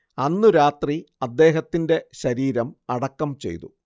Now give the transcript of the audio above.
അന്നു രാത്രി അദ്ദേഹത്തിന്റെ ശരീരം അടക്കം ചെയ്തു